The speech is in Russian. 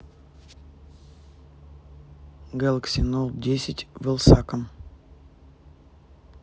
гэлакси ноут десять вилсаком